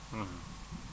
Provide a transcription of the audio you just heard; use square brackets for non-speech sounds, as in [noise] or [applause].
[hesitation] [hesitation]